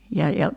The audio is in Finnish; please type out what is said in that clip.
ja